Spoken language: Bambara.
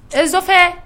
To fɛ